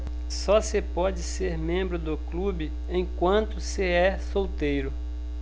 só se pode ser membro do clube enquanto se é solteiro